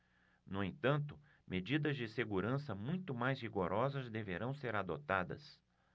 no entanto medidas de segurança muito mais rigorosas deverão ser adotadas